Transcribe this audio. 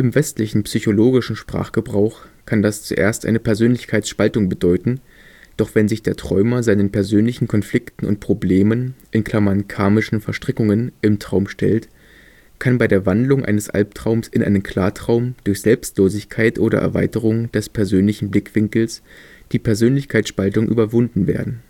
westlichen psychologischen Sprachgebrauch kann das zuerst eine Persönlichkeitsspaltung bedeuten, doch wenn sich der Träumer seinen persönlichen Konflikten und Problemen (karmischen Verstrickungen) im Traum stellt, kann bei der Wandlung eines Albtraums in einen Klartraum durch Selbstlosigkeit oder Erweiterung des persönlichen Blickwinkels die Persönlichkeitsspaltung überwunden werden